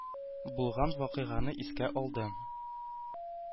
Булган вакыйганы искә алды.